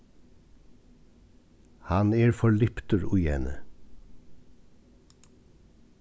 hann er forliptur í henni